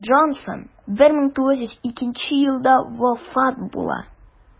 Джонсон 1902 елда вафат була.